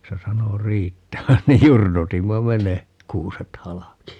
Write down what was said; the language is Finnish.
se sanoi riittävän niin jurnutimme me ne kuuset halki